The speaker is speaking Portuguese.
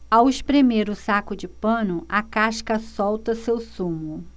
ao espremer o saco de pano a casca solta seu sumo